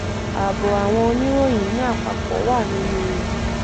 Ààbo àwọn oníròyìn, ní àpapọ̀, wà nínú ewu.